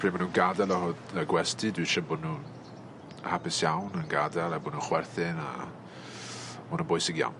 pryd ma' nw'n gadael o'r y gwesty dw isie bod nw'n hapus yn gadel a bo' n'w chwerthin a ma' wnna'n bwysig iawn.